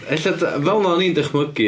Ella, fel yma o'n i'n dychmygu,